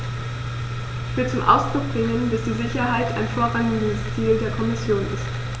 Ich will zum Ausdruck bringen, dass die Sicherheit ein vorrangiges Ziel der Kommission ist.